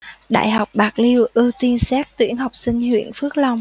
đại học bạc liêu ưu tiên xét tuyển học sinh huyện phước long